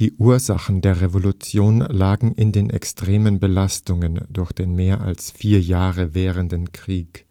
Die Ursachen der Revolution lagen in den extremen Belastungen durch den mehr als vier Jahre währenden Krieg,